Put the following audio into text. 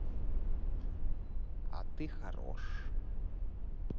а ты хорош